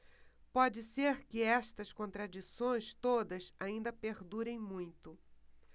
pode ser que estas contradições todas ainda perdurem muito